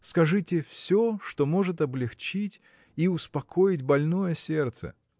Скажите все, что может облегчить и успокоить больное сердце.